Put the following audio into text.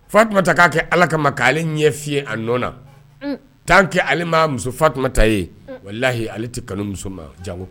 Fatu ta k'a kɛ ala kama k'ale ɲɛ fiiye a nɔ na tan kɛ ale maa muso fatuma ta ye wala layi ale tɛ kanu musoman ma jango